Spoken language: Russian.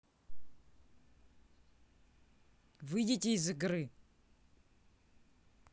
выйдите из игры